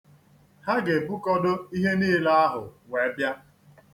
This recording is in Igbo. Ha ga-ebukọdo ihe niile ahụ wee bịa.